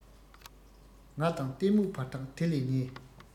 ང དང གཏི མུག བར ཐག དེ ལས ཉེ